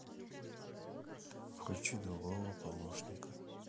включи другого помощника